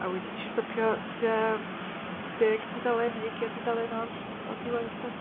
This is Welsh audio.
A wedyn nes i stopio tua deg tudalen neu ugian dudalen o o'r diwedd eto.